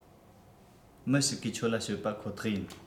མི ཞིག གིས ཁྱོད ལ བཤད པ ཁོ ཐག ཡིན